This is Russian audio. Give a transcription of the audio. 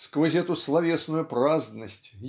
сквозь эту словесную праздность